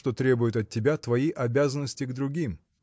чего требуют от тебя твои обязанности к другим?